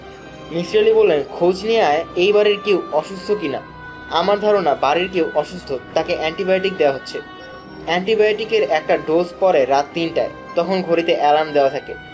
মিসির আলি বললেন খোঁজ নিয়ে আয় এই বাড়ির কেউ অসুস্থ কি না আমার ধারণা বাড়ির কেউ অসুস্থ তাকে অ্যান্টিবায়ােটিক দেওয়া হচ্ছে অ্যান্টিবায়ােটিকের একটা ডােজ পড়ে রাত তিনটায় তখন ঘড়িতে অ্যালার্ম দেওয়া থাকে